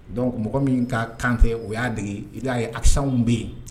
Donc mɔgɔ min ka kante o y'a dege i d'a ye asaw bɛ yen